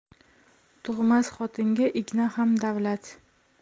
tug'mas xotinga igna ham davlat